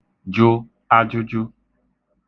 jụ ajụjụ